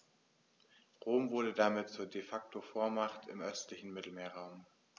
Rom wurde damit zur ‚De-Facto-Vormacht‘ im östlichen Mittelmeerraum.